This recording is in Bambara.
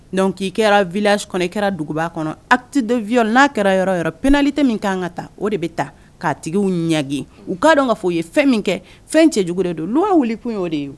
Dɔnkuc k'i kɛra viyasi kɔnɔ i kɛra duguba kɔnɔ ap vy n'a kɛra yɔrɔ yɔrɔ pinali tɛ min ka kan ka taa o de bɛ taa ka' tigi ɲɛge u ka'a dɔn k ka fɔo ye fɛn min kɛ fɛn cɛ jugu de don olu'a wele kun'o de ye